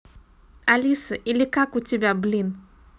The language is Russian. алиса или как у тебя блин